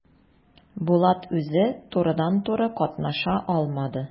Булат үзе турыдан-туры катнаша алмады.